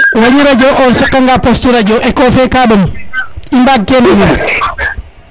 wañi radio o saqa nga post radio éco fe ka ɗom i mbaag ke nanir